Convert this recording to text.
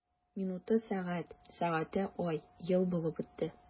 Минуты— сәгать, сәгате— ай, ел булып үтте.